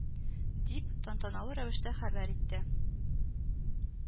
Дип, тантаналы рәвештә хәбәр итте